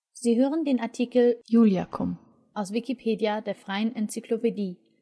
Sie hören den Artikel Iuliacum, aus Wikipedia, der freien Enzyklopädie